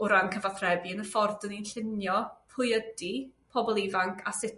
O ran cyfathrebu yn y ffordd 'dyn ni'n llunio pwy ydi pobol ifanc a sut